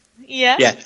Ie? Ie.